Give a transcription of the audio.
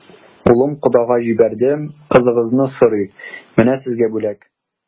Улым кодага җибәрде, кызыгызны сорый, менә сезгә бүләк.